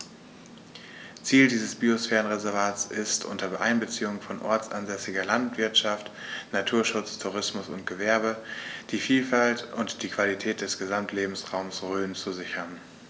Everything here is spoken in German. Ziel dieses Biosphärenreservates ist, unter Einbeziehung von ortsansässiger Landwirtschaft, Naturschutz, Tourismus und Gewerbe die Vielfalt und die Qualität des Gesamtlebensraumes Rhön zu sichern.